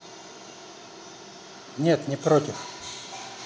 нет не против